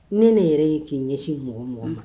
Ne ne yɛrɛ ye k'i ɲɛsin mɔgɔ mɔgɔ